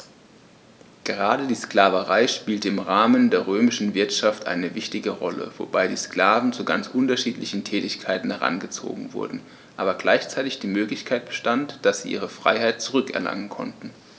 Gerade die Sklaverei spielte im Rahmen der römischen Wirtschaft eine wichtige Rolle, wobei die Sklaven zu ganz unterschiedlichen Tätigkeiten herangezogen wurden, aber gleichzeitig die Möglichkeit bestand, dass sie ihre Freiheit zurück erlangen konnten.